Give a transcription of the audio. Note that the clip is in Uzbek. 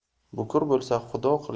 bukur bo'lsa xudo